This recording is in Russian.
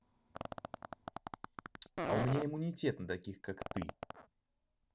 а у меня иммунитет на таких как ты